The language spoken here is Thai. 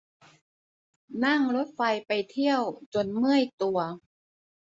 นั่งรถไฟไปเที่ยวจนเมื่อยตัว